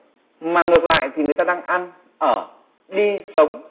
mà ngược lại thì người ta đang ăn ở đi sống